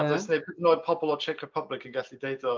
A does neb, hyd yn oed pobl o Czech Republic yn gallu deud o.